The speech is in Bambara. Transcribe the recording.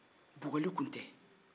bugɔli kun tɛ